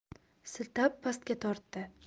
siltab pastga tortdi